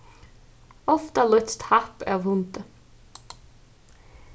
ofta lýtst happ av hundi